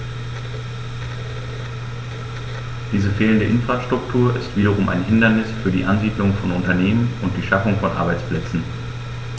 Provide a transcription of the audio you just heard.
Diese fehlende Infrastruktur ist wiederum ein Hindernis für die Ansiedlung von Unternehmen und die Schaffung von Arbeitsplätzen.